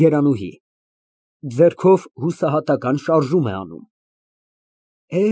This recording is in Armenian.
ԵՐԱՆՈՒՀԻ ֊ (Ձեռքով հուսահատական շարժում է անում)։